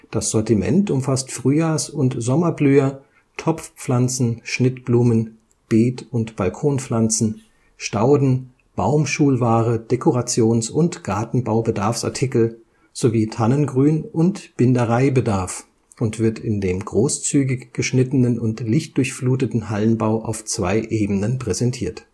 Das Sortiment umfasst Frühjahrs - und Sommerblüher, Topfpflanzen, Schnittblumen, Beet - und Balkonpflanzen, Stauden, Baumschulware, Dekorations - und Gartenbau-Bedarfsartikel sowie Tannengrün und Bindereibedarf und wird in dem großzügig geschnittenen und lichtdurchfluteten Hallenbau auf zwei Ebenen präsentiert